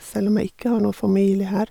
Selv om jeg ikke har noe familie her.